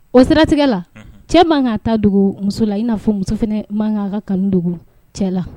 O siratigɛ la cɛ mankan ka ta dogo muso la i n'a fɔ muso fana man ka kandugu cɛ la